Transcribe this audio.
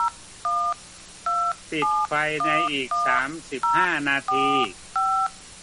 ปิดไฟในอีกสามสิบห้านาที